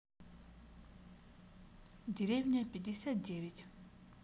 деревня пятьдесят девять